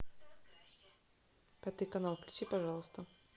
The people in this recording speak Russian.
пятый канал включи пожалуйста